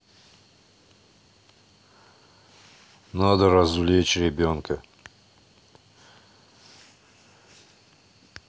надо развлечь ребенка